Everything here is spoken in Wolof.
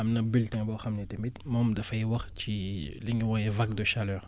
am na bulletins boo xamante ni moom dafay wax ci li ñuy wooyee vague de chaleur